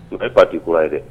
O kɛ parti kura ye dɛ